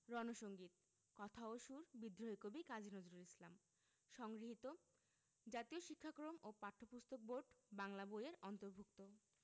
রন সঙ্গীত কথা ও সুর বিদ্রোহী কবি কাজী নজরুল ইসলাম সংগৃহীত জাতীয় শিক্ষাক্রম ও পাঠ্যপুস্তক বোর্ড বাংলা বই এর অন্তর্ভুক্ত